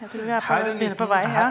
jeg tror vi er på vei, ja.